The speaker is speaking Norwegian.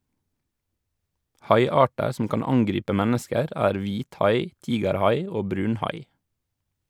Haiarter som kan angripe mennesker er hvithai, tigerhai og brunhai.